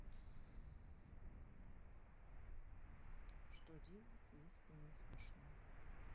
что делать если не смешно